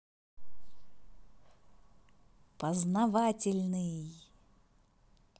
познавательный